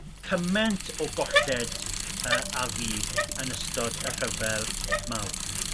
cyment o golled yy a fu yn ystod y rhyfel mawr.